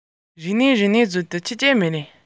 ཟེར ནས ཁོ ལ དགག པ